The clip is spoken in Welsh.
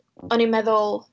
O'n i'n meddwl...